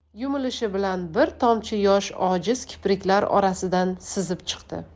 yumilishi bilan bir tomchi yosh ojiz kipriklar orasidan sizib chiqdi